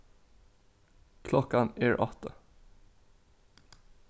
klokkan er átta